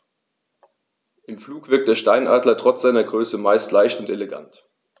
Im Flug wirkt der Steinadler trotz seiner Größe meist sehr leicht und elegant.